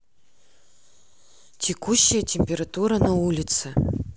текущая температура на улице